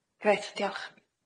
Grêt, diolch.